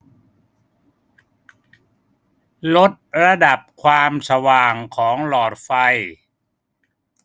ลดระดับความสว่างของหลอดไฟ